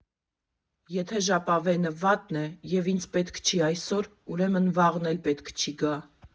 «Եթե ժապավենը վատն է, և ինձ պետք չի այսօր, ուրեմն վաղն էլ պետք չի գա։